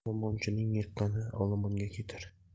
olomonchining yiqqani olomonga ketar